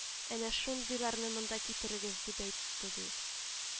— әнә шундыйларны монда китерегез, — дип әйтте, ди